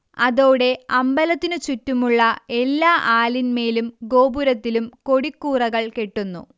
അതോടെ അമ്പലത്തിനു ചുറ്റുമുള്ള എല്ലാ ആലിന്മേലും ഗോപുരത്തിലും കൊടിക്കൂറകൾ കെട്ടുന്നു